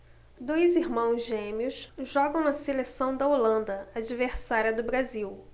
dois irmãos gêmeos jogam na seleção da holanda adversária do brasil